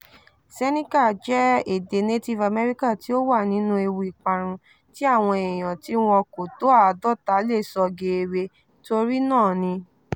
Seneca jẹ́ èdè Native America tí ó wà nínú ewu ìparun tí àwọn èèyàn tí wọ́n kò tó 50 lè sọ geere, torí náà ni